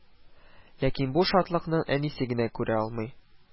Ләкин бу шатлыкны әнисе генә күрә алмый